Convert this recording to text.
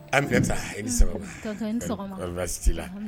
An taa i bɛ sababu la